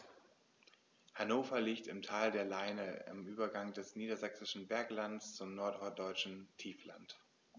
Hannover liegt im Tal der Leine am Übergang des Niedersächsischen Berglands zum Norddeutschen Tiefland.